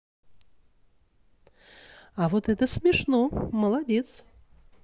а вот это смешно молодец